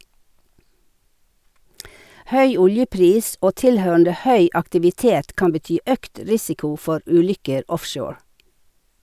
Høy oljepris og tilhørende høy aktivitet kan bety økt risiko for ulykker offshore.